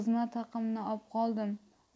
xizmat haqimni opqoldim